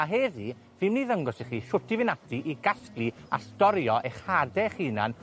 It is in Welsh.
A heddi, fi myn' i ddangos i chi shwt i fynd ati i gasglu a storio eich hade'ch hunan